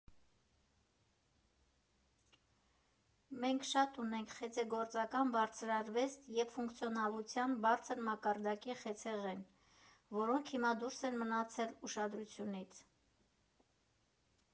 Մենք շատ ունենք խեցեգործական բարձրարվեստ և ֆունկցիոնալության բարձր մակարդակի խեցեղեն, որոնք հիմա դուրս են մնացել ուշադրությունից։